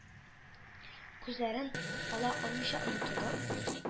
Күзләрен ала алмыйча, онытылып: